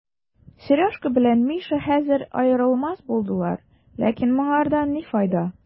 Сережка белән Миша хәзер аерылмас булдылар, ләкин моңардан ни файда?